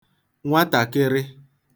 nwatàkịrị